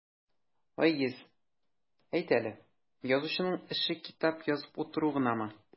Айгиз, әйт әле, язучының эше китап язып утыру гынамы?